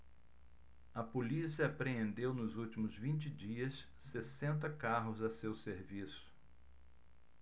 a polícia apreendeu nos últimos vinte dias sessenta carros a seu serviço